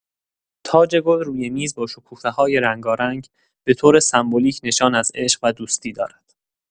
تاج‌گل روی میز با شکوفه‌های رنگارنگ به‌طور سمبولیک نشان از عشق و دوستی دارد.